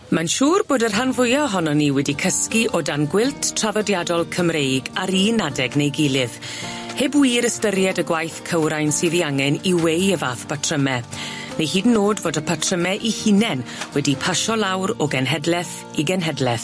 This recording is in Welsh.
Ma'n siŵr bod y rhan fwya ohonon ni wedi cysgu o dan gwilt traddodiadol Cymreig ar un adeg neu gilydd heb wir ystyried y gwaith cywrain sydd 'i angen i weu y fath batryme neu hyd yn o'd fod y patryme 'u hunen wedi pasio lawr o genhedleth i genhedleth.